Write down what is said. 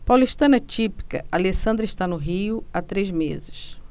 paulistana típica alessandra está no rio há três meses